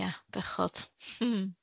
Ia, bechod.